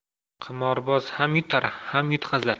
qimorboz ham yutar ham yutqazar